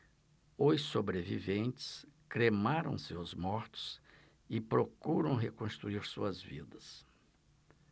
os sobreviventes cremaram seus mortos e procuram reconstruir suas vidas